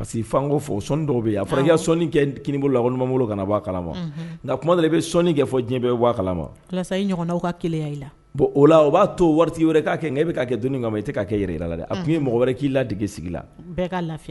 Fɔ o dɔw bɛ a fana sɔnni kɛini bolo la bolo na kala ma kuma i bɛ sɔni kɛ fɔ diɲɛ bɛ waa ma i ka kelenya i la bɔn o la a u b'a to wari wɛrɛ k' kɛ nka e bɛ ka kɛ don kama e tɛ' kɛ yɛrɛla la dɛ a tun ye mɔgɔ wɛrɛ k'i la dege sigi la lafi